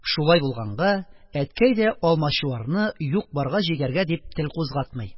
Шулай булганга, әткәй дә Алмачуарны юк-барга җигәргә дип, тел кузгатмый.